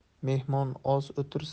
mehmon oz o'tirsa